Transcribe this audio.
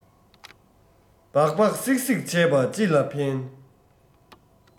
སྦག སྦག གསིག གསིག བྱས པས ཅི ལ ཕན